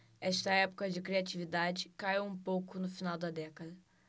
esta época de criatividade caiu um pouco no final da década